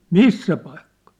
missä paikkaa